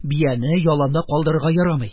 Бияне яланда калдырырга ярамый.